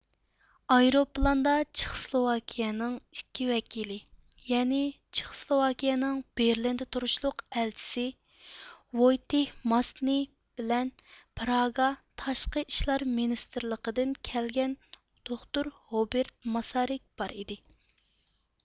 ئايروپىلاندا چېخسلوۋاكىيىنىڭ ئىككى ۋەكىلى يەنى چېخسلوۋاكىيىنىڭ بېرلىندا تۇرۇشلۇق ئەلچىسى ۋويتېھ ماستنى بىلەن پراگا تاشقى ئىشلار مىنىستىرلىقىدىن كەلگەن دوكتور ھۇبېرت ماسارىك بار ئىدى